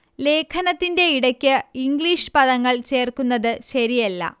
ലേഖനത്തിന്റെ ഇടക്ക് ഇംഗ്ലീഷ് പദങ്ങൾ ചേർക്കുന്നത് ശരിയല്ല